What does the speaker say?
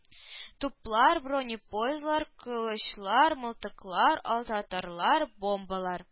Туплар бронепоездлар кылычлар мылтыклар алтатарлар бомбалар